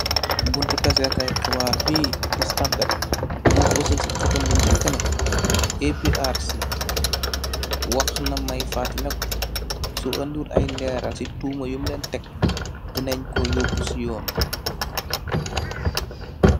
Buntu tasee KAAY xibaar,"The Standard",moo fësal ci xëtëm bu ñiaka ne, APRC, wax na Mai Faati suu eenit aay leerah sii tuumo bunleh tek diinaleko yogu sii yoodeh